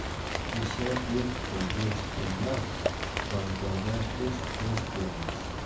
eshak eti go'sht bo'lmas savdogar hech do'st bo'lmas